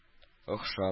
Охшап